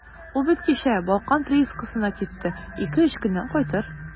Ул бит кичә «Балкан» приискасына китте, ике-өч көннән кайтыр.